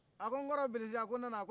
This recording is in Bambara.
a ko nkɔrɔ bilisi a ko n'nana